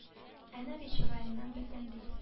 Әнә бит чыраеңнан белдем ди